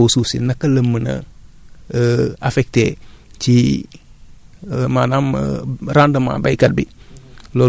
bu ñu nee état wu suuf si naka la mën a affecté ci maanaam rendement baykat bi